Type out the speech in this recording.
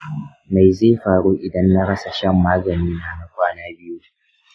me zai faru idan na rasa shan maganina na kwana biyu?